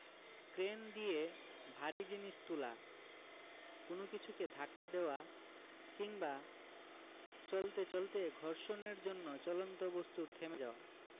crane দিয়ে ভারী জিনিস তোলা কোনো কিছুকে ধাক্কা দেওয়া কিংবা চলতে চলতে ঘর্ষণের জন্য চলন্ত বস্তুর থেমে যাওয়া